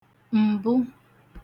m̀bụ